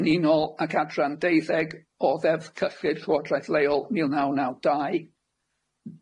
yn unol ag adran deuddeg o Ddeddf Cyllid Llywodraeth Leol mil naw naw dau.